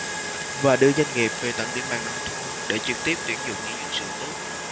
và đưa doanh nghiệp về tận địa bàn nông thôn để trực tiếp tuyển dụng những nhân sự tốt